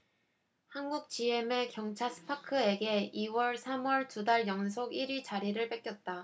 한국지엠의 경차 스파크에게 이 월 삼 월 두 달 연속 일 위 자리를 뺏겼다